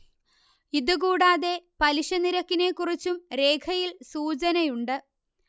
ഇതുകൂടാതെ പലിശ നിരക്കിനെക്കുറിച്ചും രേഖയിൽ സൂചനയുണ്ട്